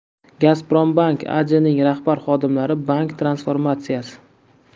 gazprombank ajning rahbar xodimlari bank transformatsiyasi